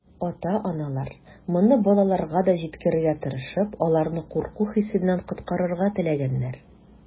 Ата-аналар, моны балаларга да җиткерергә тырышып, аларны курку хисеннән коткарырга теләгәннәр.